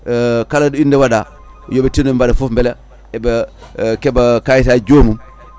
kalaɗa ɗo inde waaɗa yooɓe tinno ɓe mbaɗa foof beela eɓe keeɓa kayitaji jomum